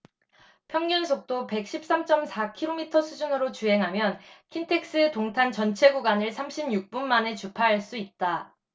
평균속도 백 십 삼 쩜 사 키로미터 수준으로 주행하면 킨텍스 동탄 전체 구간을 삼십 육 분 만에 주파할 수 있다